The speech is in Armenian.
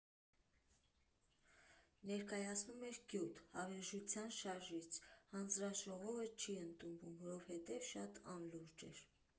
Ներկայացնում էր գյուտ՝ հավերժության շարժիչ, հանձնաժողովը չի ընդունում, որովհետև շատ անլուրջ էր.